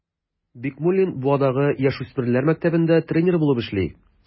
Бикмуллин Буадагы яшүсмерләр мәктәбендә тренер булып эшли.